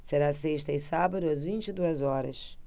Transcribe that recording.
será sexta e sábado às vinte e duas horas